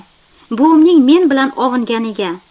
buvimning men bilan ovunganiga